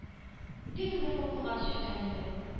Бик зур куркуга төшергән иде.